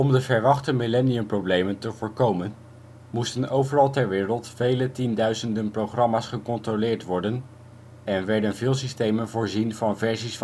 de verwachte millenniumproblemen te voorkomen, moesten overal ter wereld vele tienduizenden programma 's gecontroleerd worden en werden veel systemen voorzien van versies